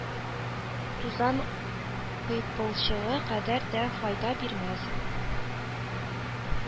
Тузан кыйпылчыгы кадәр дә файда бирмәс